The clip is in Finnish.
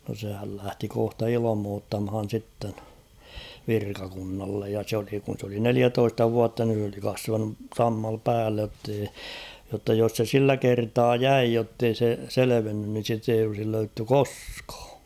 no sehän lähti kohta ilmoittamaan sitten virkakunnalle ja se oli kun se oli neljätoista vuotta niin se oli kasvanut sammalta päälle jotta ei jotta jos se sillä kertaa jäi jotta ei se selvinnyt niin sitä ei olisi löydetty koskaan